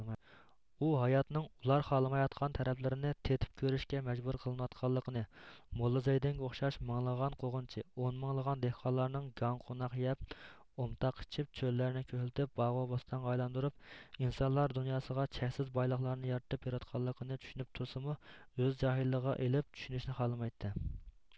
ئۇ ھاياتنىڭ ئۇلار خالىمايۋاتقان تەرەپلىرىنى تېتىپ كۆرۈشكە مەجبۇر قىلىنىۋاتقانلىقىنى موللازەيدىنگە ئوخشاش مىڭلىغان قوغۇنچى ئون مىڭلىغان دېھقانلارنىڭ گاڭ قوناق يەپ ئومتاق ئىچىپ چۆللەرنى كۆكلىتىپ باغۇ بوستانغا ئايلاندۇرۇپ ئىنسانلار دۇنياسىغا چەكسىز بايلىقلارنى يارىتىپ بېرىۋاتقانلىقىنى چۈشىنىپ تۇرسىمۇ ئۆز جاھىللىقىغا ئېلىپ چۈشىنىشنى خالىمايتتى